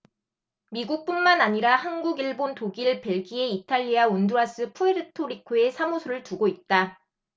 미국뿐만 아니라 한국 일본 독일 벨기에 이탈리아 온두라스 푸에르토리코에 사무소를 두고 있다